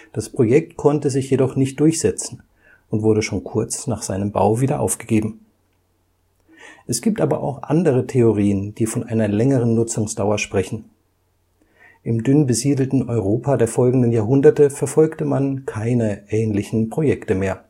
Das Projekt konnte sich jedoch nicht durchsetzen und wurde schon kurz nach seinem Bau wieder aufgegeben. Es gibt aber auch andere Theorien, die von einer längeren Nutzungsdauer sprechen. Im dünn besiedelten Europa der folgenden Jahrhunderte verfolgte man keine ähnlichen Projekte mehr